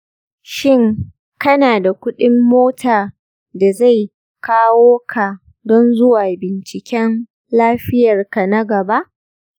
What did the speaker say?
shin kana da kudin mota da zai kawo ka don zuwa binciken lafiyarka na gaba?